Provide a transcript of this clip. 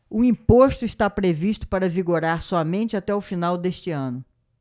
o imposto está previsto para vigorar somente até o final deste ano